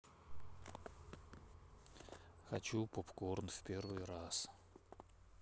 хочу поп корн в первый раз